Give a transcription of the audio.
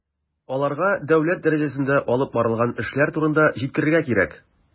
Аларга дәүләт дәрәҗәсендә алып барылган эшләр турында җиткерергә кирәк.